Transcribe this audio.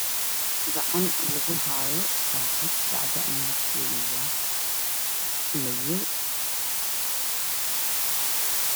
Gacan lagu haayo saacad saacada midbkeedu waa madow